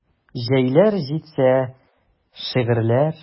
Җәйләр җитсә: шигырьләр.